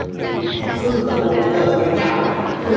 ừm nói suốt từ tập một đến giờ không thấy nhàm à